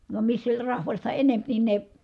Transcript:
vaan missä oli rahvasta enempi niin ne